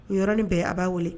U yɔrɔnin bɛɛ a b'a wele